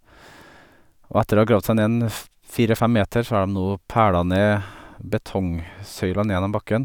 Og etter å ha gravd seg ned en f fire fem meter så har dem nå pæla ned betongsøyler ned gjennom bakken.